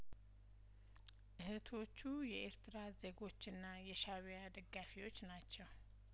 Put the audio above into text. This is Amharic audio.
እህቶቹ የኤርትራ ዜጐችና የሻእቢያ ደጋፊዎች ናቸው